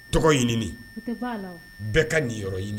Tɔgɔ ɲinimi bɛɛ ka nin yɔrɔ ɲini